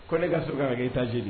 Ko ne ka so kagagee taa joli